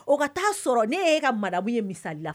O ka taaa sɔrɔ ne yee ka marabu ye misala